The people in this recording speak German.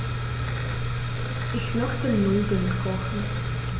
Ich möchte Nudeln kochen.